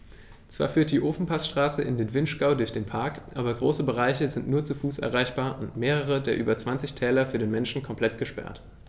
Zwar führt die Ofenpassstraße in den Vinschgau durch den Park, aber große Bereiche sind nur zu Fuß erreichbar und mehrere der über 20 Täler für den Menschen komplett gesperrt.